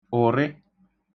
ụ̀rị